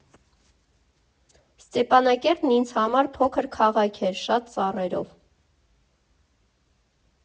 Ստեփանակերտն ինձ համար փոքր քաղաք էր՝ շատ ծառերով։